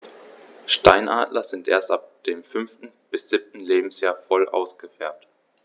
Steinadler sind erst ab dem 5. bis 7. Lebensjahr voll ausgefärbt.